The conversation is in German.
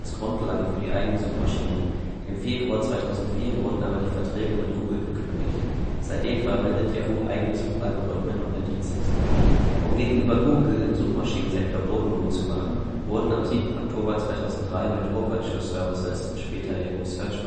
Grundlage für die eigene Suchmaschine. Im Februar 2004 wurden aber die Verträge mit Google gekündigt. Seitdem verwendet Yahoo eigene Suchalgorithmen und Indizes. Um gegenüber Google im Suchmaschinen-Sektor Boden gut zu machen, wurden am 7. Oktober 2003 mit Overture Services (später: Yahoo Search Marketing